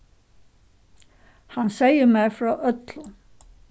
hann segði mær frá øllum